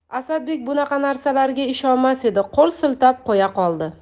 asadbek bunaqa narsalarga ishonmas edi qo'l siltab qo'ya qoldi